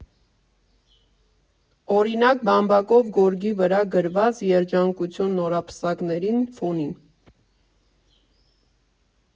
Օրինակ՝ բամբակով գորգի վրա գրված «Երջանկություն նորապսակներին» ֆոնին։